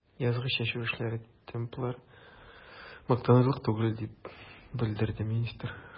Язгы чәчү эшләре темплары мактанырлык түгел, дип белдерде министр.